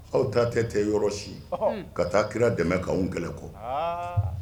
Aw taa tɔ tɛ yɔrɔ si ,ɔhɔ, ka taa kira dɛmɛ k'an kɛlɛ kɔ, ahaa.